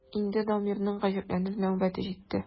Инде Дамирның гаҗәпләнер нәүбәте җитте.